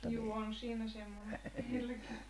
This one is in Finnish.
juu on siinä semmoinen meilläkin